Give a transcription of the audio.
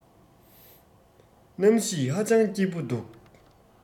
གནམ གཤིས ཧ ཅང སྐྱིད པོ འདུག